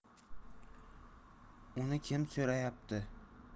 uni kim so'rayapti